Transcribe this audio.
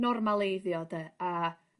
normaleiddio 'de a...